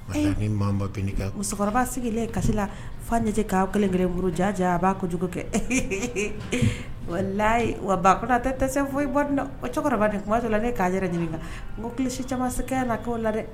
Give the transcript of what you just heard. Musokɔrɔba sigilen kasi la fa lajɛ ka kelenb bolouru jaja a b'a kojugu kɛ layi wa ba tɛ tɛ fɔ cɛkɔrɔba de kuma la ne k'a yɛrɛ ɲininka kan n ko kisi caman la'o la dɛ